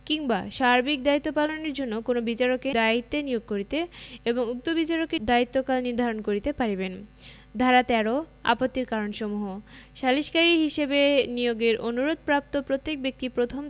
কিংবা সার্বিক দায়িত্ব পালনের জন্য কোন বিচারককে দায়িত্বে নিয়োগ করিতে এবং উক্ত বিচারকের দায়িত্বকাল নির্ধারণ করিতে পারিবেন ধারা ১৩ আপত্তির কারণসমূহ সালিসকারী হিসাবে নিয়োগের অনুরোধ প্রাপ্ত প্রত্যেক ব্যক্তি প্রথম